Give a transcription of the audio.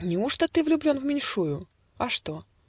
- "Неужто ты влюблен в меньшую?" - А что?